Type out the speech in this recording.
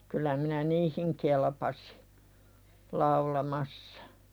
kyllä minä niihin kelpasin laulamassa